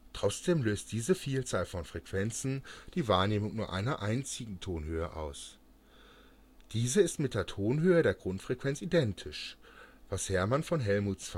Trotzdem löst diese Vielzahl von Frequenzen die Wahrnehmung nur einer einzigen Tonhöhe aus. Diese ist mit der Tonhöhe der Grundfrequenz identisch, was Hermann von Helmholtz